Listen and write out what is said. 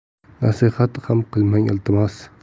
nasihat ham qilmang iltimos